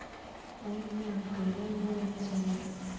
Այն միանգամայն նոր է ինձ համար։